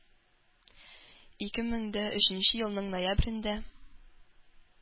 Ике мең дә өченче елның ноябрендә